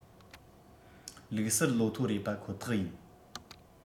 ལུགས གསར ལོ ཐོ རེད པ ཁོ ཐག ཡིན